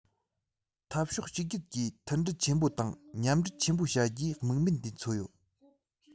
འཐབ ཕྱོགས གཅིག གྱུར གྱིས མཐུན སྒྲིལ ཆེན པོ དང མཉམ འབྲེལ ཆེན པོ བྱ རྒྱུའི དམིགས འབེན དེ མཚོན ཡོད